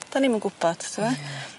'Dan ni'm yn gwbod t'mod? Wel ie.